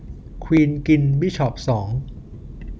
ควีนกินบิชอปสอง